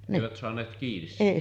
eivät saaneet kiinni sitä